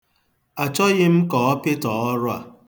Achọghị m ka ọ pịtọọ ọrụ a.